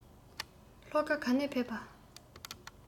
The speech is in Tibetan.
ལྷོ ཁ ག ནས ཕེབས པྰ